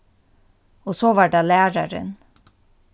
og so var tað lærarin